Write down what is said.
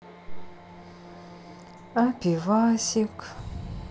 а пивасик